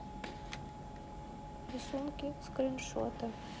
рисунки скриншоты